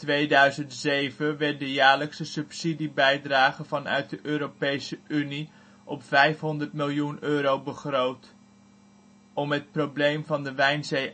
2007 werd de jaarlijkse subsidiebijdrage vanuit de Europese Unie op 500 miljoen euro begroot. Om het probleem van de wijnzee